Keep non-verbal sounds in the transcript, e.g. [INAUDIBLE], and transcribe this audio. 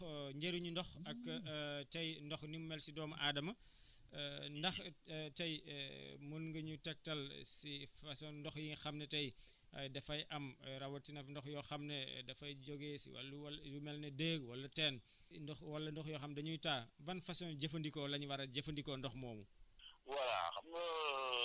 [HESITATION] sànq yaa ngi wax ndox [HESITATION] njëriñu ndox ak [NOISE] [HESITATION] cay ndox num mel si doomu aadama [BREATH] [HESITATION] ndax [HESITATION] tey [HESITATION] mun nga ñu tegtal [HESITATION] si façon ndox yi nga xam ne tey dafay am rawatina ndox yoo xam ne [HESITATION] dafay jógee si wala lu wala lu mel ni déeg wala teen ndox wala ndox yoo xam dañuy taa ban façon jëfandikoo la ñu war a jëfandikoo ndox moomu